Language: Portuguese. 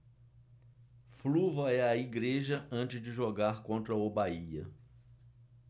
flu vai à igreja antes de jogar contra o bahia